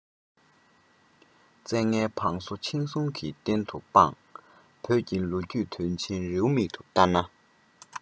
བཙན ལྔའི བང སོ འཆིང གསུང གི རྟེན དུ དཔང བོད ཀྱི ལོ རྒྱུས དོན ཆེན རེའུ མིག ལྟར ན